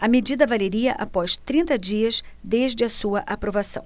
a medida valeria após trinta dias desde a sua aprovação